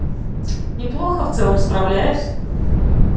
неплохо в целом справляюсь